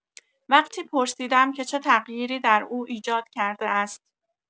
وقتی پرسیدم که چه تغییری در او ایجاد کرده است.